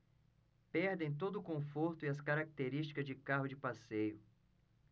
perdem todo o conforto e as características de carro de passeio